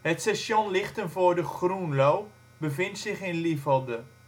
Het station Lichtenvoorde-Groenlo bevindt zich in Lievelde